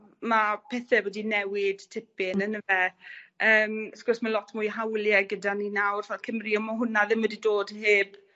m- ma' pethe wedi newid tipyn yndyfe. Yym wrth gwrs ma' lot mwy hawlie gyda ni nawr fel Cymry a ma' hwnna dim wedi dod heb